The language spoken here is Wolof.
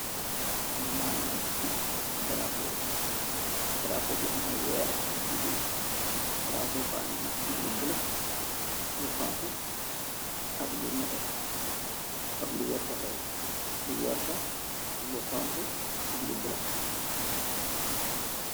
Maagis darapo, darapoo bi anna weer ak bidiw. darapo bangi am lu bulo ak lu xoñga ak lu nete ak lu werta kay. Lu werta, lu xoñxu ak lu bula.